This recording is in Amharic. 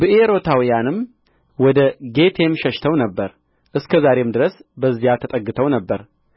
ብኤሮታውያንም ወደ ጌቴም ሸሽተው ነበር እስከ ዛሬም ድረስ በዚያ ተጠግተው ነበር